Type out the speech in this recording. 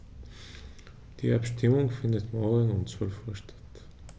Die Abstimmung findet morgen um 12.00 Uhr statt.